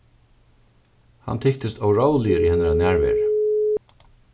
hann tyktist óróligur í hennara nærveru